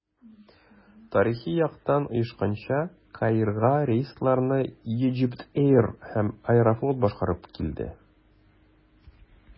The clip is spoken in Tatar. Тарихи яктан оешканча, Каирга рейсларны Egypt Air һәм «Аэрофлот» башкарып килде.